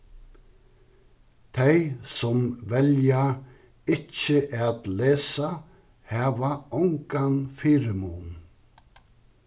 tey sum velja ikki at lesa hava ongan fyrimun